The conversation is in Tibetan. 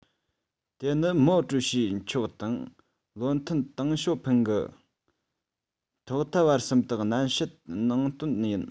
དེ ནི མའོ ཀྲུའུ ཞི མཆོག དང བློ མཐུན ཏེང ཞའོ ཕིན གྱིས ཐོག མཐའ བར གསུམ དུ ནན བཤད གནང དོན ཡིན